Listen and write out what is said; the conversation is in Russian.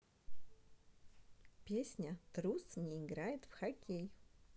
песня трус не играет в хоккей